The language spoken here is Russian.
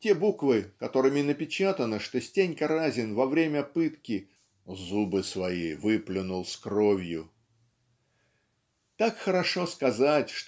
те буквы, которыми напечатано, что Стенька Разин во время пытки "зубы свои выплюнул с кровью". Так хорошо сказать